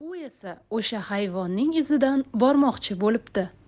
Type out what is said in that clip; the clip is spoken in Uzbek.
u esa o'sha hayvonning izidan bormoqchi bo'libdi